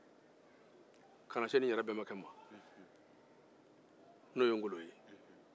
ka na se ne yɛrɛ bɛnbakɛ ma n'o ye ŋolo ye